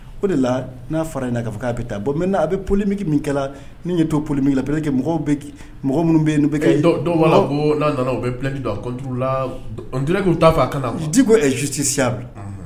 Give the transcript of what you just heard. O de la n'a fara in' fɔ ko a bɛ taa bɔn mɛ a bɛ poli min min kɛ ni to poli min la mɔgɔw bɛ mɔgɔ minnu bɛ n'a u bɛlɛki laki ta fɔ a kana di ko ezosi si